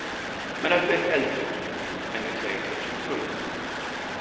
men eitt vet eldri enn í tvey túsund og trý